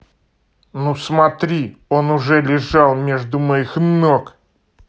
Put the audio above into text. ну смотри он уже лежал между моих ног